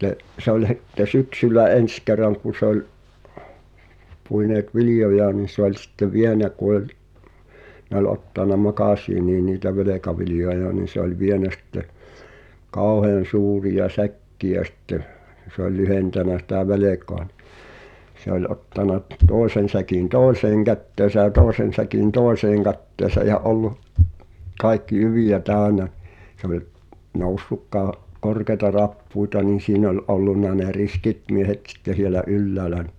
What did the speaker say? sitten se oli sitten syksyllä ensi kerran kun se oli puineet viljojaan niin se oli sitten vienyt kun oli ne oli ottanut makasiiniin niitä velkaviljoja niin se oli vienyt sitten kauhean suuria säkkejä sitten se oli lyhentänyt sitä velkaa niin se oli ottanut toisen säkin toiseen käteensä ja toisen säkin toiseen käteensä ja ollut kaikki jyviä täynnä se oli noussut - korkeita rappusia niin siinä oli ollut ne riskit miehet sitten siellä ylhäällä niin